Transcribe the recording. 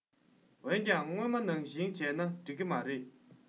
འོན ཀྱང སྔོན མ ནང བཞིན བྱས ན འགྲིག གི མ རེད